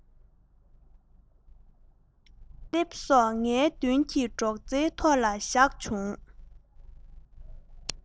བག ལེབ སོགས ངའི མདུན གྱི སྒྲོག ཙེའི ཐོག ལ བཞག བྱུང